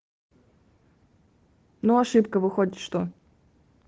но ошибка выходит что